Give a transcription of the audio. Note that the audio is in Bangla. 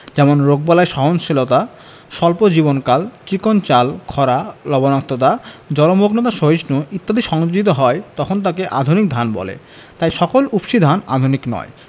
যেমন রোগবালাই সহনশীলতা স্বল্প জীবনকাল চিকন চাল খরা লবনাক্ততা জলমগ্নতা সহিষ্ণু ইত্যাদি সংযোজিত হয় তখন তাকে আধুনিক ধান বলে তাই সকল উফশী ধান আধুনিক নয়